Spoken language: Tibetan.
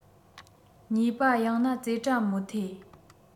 ཉོས པ ཡང ན རྩེ གྲ མོ ཐེ